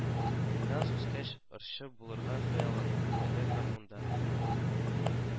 Илназ үскәч ырчы булырга хыяллана, әле гармунда